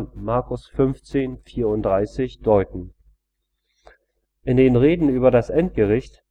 Mk 15,34 EU) deuten. In den Reden über das Endgericht